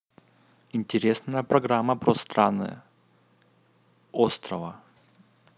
интересная программа про страны острова